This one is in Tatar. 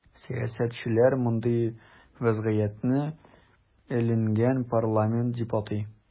Сәясәтчеләр мондый вазгыятне “эленгән парламент” дип атый.